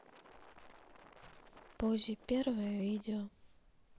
пози первое видео